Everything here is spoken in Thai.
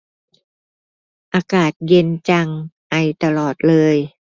อากาศเย็นจังไอตลอดเลย